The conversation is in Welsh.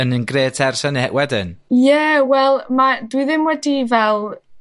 yn un grêt ers hynny he- wedyn. Ie, wel, dwi ddim wedi fel